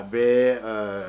A bɛ eee